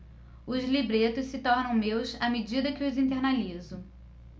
os libretos se tornam meus à medida que os internalizo